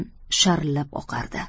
sharillab oqardi